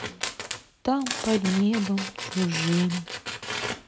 там под небом чужим